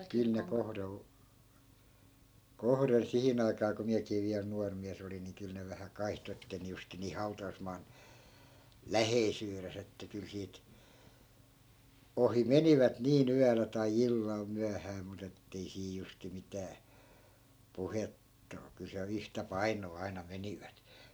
kyllä ne kohdalla kohden siihen aikaan kun minäkin vielä nuori mies olin niin kyllä ne vähän kaihtoi että ei ne justiin niin hautausmaan läheisyydessä että kyllä siitä ohi menivät niin yöllä tai illalla myöhään mutta että ei siinä justiin mitään puhetta - kyllä siellä yhtä painoa aina menivät